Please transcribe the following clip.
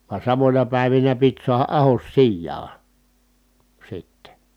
vaan samoina päivinä piti saada ahdos sijaan sitten